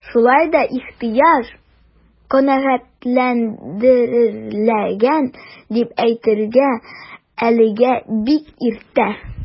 Шулай да ихтыяҗ канәгатьләндерелгән дип әйтергә әлегә бик иртә.